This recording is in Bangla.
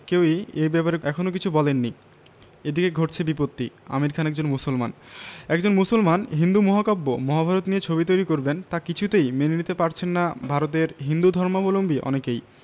কেউই এ ব্যাপারে এখনো কিছু বলেননি এদিকে ঘটছে বিপত্তি আমির খান একজন মুসলমান একজন মুসলমান হিন্দু মহাকাব্য মহাভারত নিয়ে ছবি তৈরি করবেন তা কিছুতেই মেনে নিতে পারছেন না ভারতের হিন্দুধর্মাবলম্বী অনেকেই